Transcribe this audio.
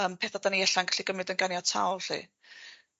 Yym petha 'dan ni ella'n gallu gymryd yn ganiataol 'lly.